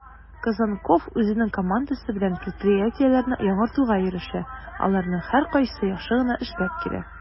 Козонков үзенең командасы белән предприятиеләрне яңартуга ирешә, аларның һәркайсы яхшы гына эшләп килә: